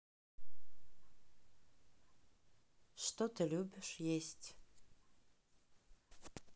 что ты любишь есть